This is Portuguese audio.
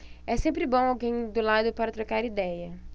é sempre bom alguém do lado para trocar idéia